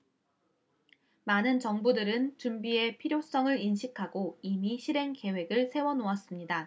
많은 정부들은 준비의 필요성을 인식하고 이미 실행 계획을 세워 놓았습니다